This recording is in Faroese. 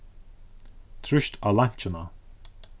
trýst á leinkjuna